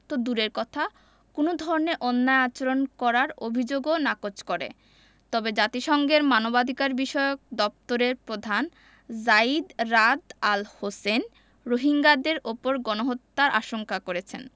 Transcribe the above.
তো দূরের কথা কোনো ধরনের অন্যায় আচরণ করার অভিযোগও নাকচ করে তবে জাতিসংঘের মানবাধিকারবিষয়ক দপ্তরের প্রধান যায়িদ রাদ আল হোসেইন রোহিঙ্গাদের ওপর গণহত্যার আশঙ্কা করেছেন